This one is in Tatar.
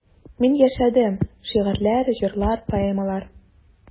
Мин яшәдем: шигырьләр, җырлар, поэмалар.